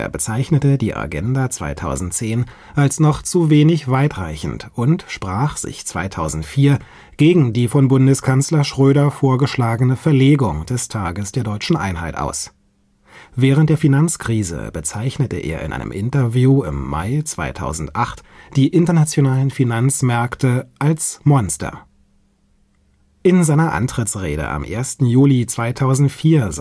bezeichnete die Agenda 2010 als „ noch zu wenig weit reichend “und sprach sich 2004 gegen die von Bundeskanzler Schröder vorgeschlagene Verlegung des Tages der Deutschen Einheit aus. Während der Finanzkrise bezeichnete er in einem Interview im Mai 2008 die internationalen Finanzmärkte als „ Monster “. In seiner Antrittsrede am 1. Juli 2004